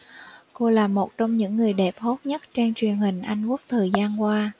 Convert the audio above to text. cô là một trong những người đẹp hot nhất trên truyền hình anh quốc thời gian qua